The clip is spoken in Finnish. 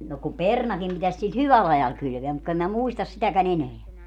no kun perunakin pitäisi sillä hyvällä ajalla kylvää mutta kun en minä muista sitäkään enää